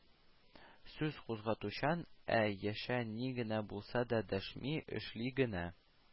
Сүз кузгатучан, ә яшә ни генә булса да дәшми, эшли генә